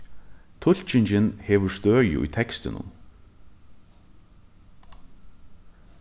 tulkingin hevur støði í tekstinum